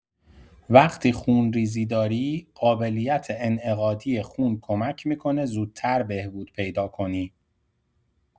وقتی خونریزی داری، قابلیت انعقادی خون کمک می‌کنه زودتر بهبود پیدا کنی.